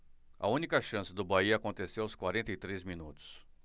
a única chance do bahia aconteceu aos quarenta e três minutos